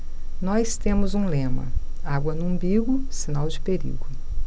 nós temos um lema água no umbigo sinal de perigo